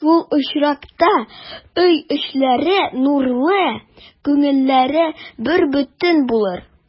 Шул очракта өй эчләре нурлы, күңелләре бербөтен булыр.